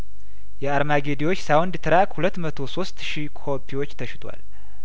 የአርማ ጌዲዎች ሳውንድ ትራክ ሁለት መቶ ሶስት ሺ ኮፒዎች ተሽጧል